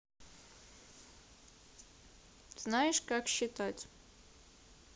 знаешь как считать